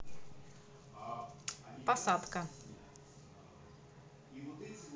посадка